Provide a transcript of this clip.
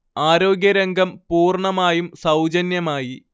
ആരോഗ്യരംഗം പൂർണ്ണമായും സൗജന്യമായി